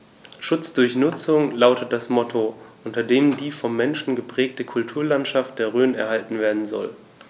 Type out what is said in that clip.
„Schutz durch Nutzung“ lautet das Motto, unter dem die vom Menschen geprägte Kulturlandschaft der Rhön erhalten werden soll.